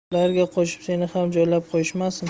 bularga qo'shib seni ham joylab qo'yishmasin